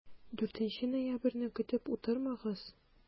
4 ноябрьне көтеп утырмагыз!